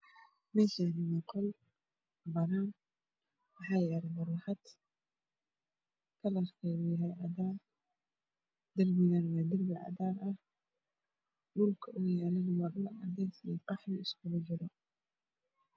Meeshaani waa qol banana waxaa yaal maruuxad kalarkeedu uuyahay cadaan darpigeedu waa darpi cadaan dhulka uu yalana waa dhul cadees iyo qaxwi isgu jiro